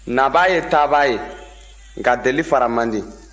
nabaa ye taabaa ye nka deli fara man di